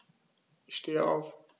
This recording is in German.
Ich stehe auf.